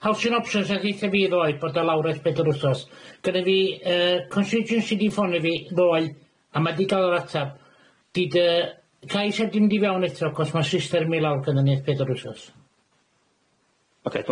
nath ddeutha fi ddoe bod o lawr ers pedair wsos. Gynny fi yy Constitution 'di ffonio fi ddoe a ma' 'di ga'l yr ateb 'di dy gais heb 'di fynd fewn eto cos ma' system i lawr genna ni ers pedair wsos.